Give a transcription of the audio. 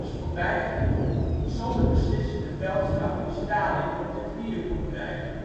voorbijgingen zonder beslissende veldslag die Stalin op de knieën kon krijgen